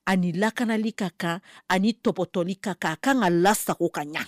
Ani lakanali ka kan ani tɔtɔli ka kan a kan ka lasago ka ɲa